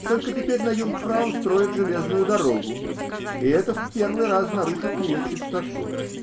-- Только теперь на Юнгфрау строят железную дорогу, и это в первый раз нарушит ее чистоту.